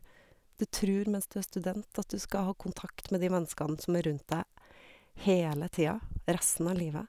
Du tror mens du er student at du skal ha kontakt med de menneskene som er rundt deg, hele tida, resten av livet.